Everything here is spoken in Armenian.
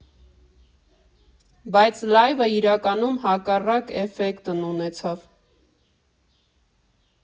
Բայց լայվը իրականում հակառակ էֆեկտն ունեցավ.